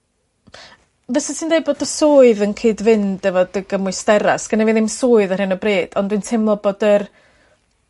Fyset ti'n deud bod dy swydd yn cyd fynd efo dy gymwystera? sgenna fi ddim swydd ar hyn o bryd ond dwi'n teimlo bod yr